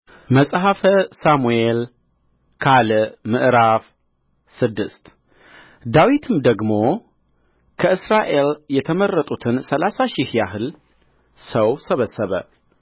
መጽሐፈ ሳሙኤል ካል ምዕራፍ ስድስት ዳዊትም ዳግም ከእስራኤል የተመረጡትን ሠላሳ ሺህ ያህል ሰው ሰበሰበ